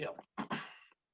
Iawn.